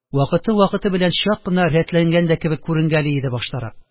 Вакыты-вакыты белән чак кына рәтләнгән дә кебек күренгәли иде баштарак.